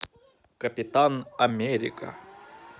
капитан америка